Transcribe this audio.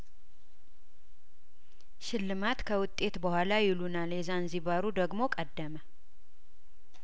ሽልማት ከውጤት በኋላ ይሉናል የዛንዚባሩ ደግሞ ቀደመ